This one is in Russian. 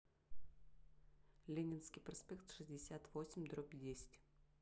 ленинский проспект шестьдесят восемь дробь десять